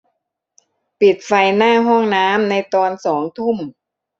ปิดไฟหน้าห้องน้ำในตอนสองทุ่ม